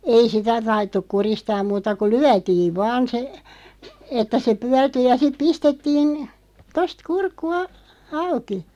ei sitä taidettu kuristaa muuta kun lyötiin vain se että se pyörtyi ja sitten pistettiin tuosta kurkku - auki